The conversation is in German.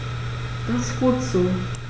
Das ist gut so.